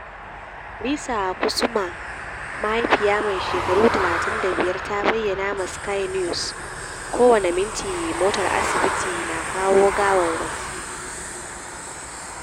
Risa Kusuma, mahaifiyar mai shekaru 35, ta bayyana ma Sky News: "Kowane minti motar asibiti na kawo gawawwaki.